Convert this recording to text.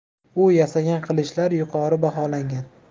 u yasagan qilichlar yuqori baholangan